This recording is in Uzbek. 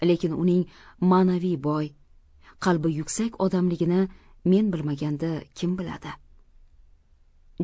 lekin uning ma'naviy boy qalbi yuksak odamligini men bilmaganda kim biladi